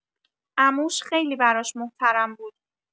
عموش خیلی براش محترم بود.